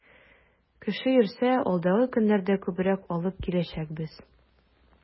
Кеше йөрсә, алдагы көннәрдә күбрәк алып киләчәкбез.